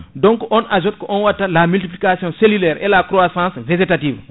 donc on azote ko on watta la multiplication cellulaire et la croissance végétative